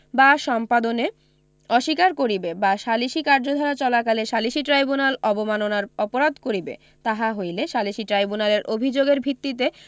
বা সম্পাদনে অস্বীকার করিবে বা সালিসী কার্যদারা চলাকালে সালিসী ট্রাইব্যুনাল অবমাননার অপরাধ করিবে তাহা হইলে সালিসী ট্রাইব্যুনালের অভিযোগের ভিত্তিতে